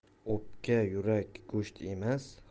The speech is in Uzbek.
o'pka yurak go'sht